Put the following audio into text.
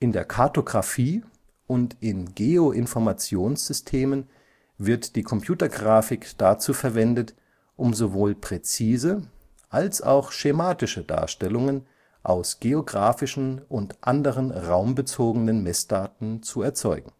der Kartografie und in Geoinformationssystemen wird die Computergrafik dazu verwendet, um sowohl präzise als auch schematische Darstellungen aus geografischen und anderen raumbezogenen Messdaten zu erzeugen